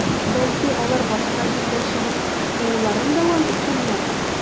Бәлки, алар башка җирдә чыгып, кууларын дәвам иткәннәрдер?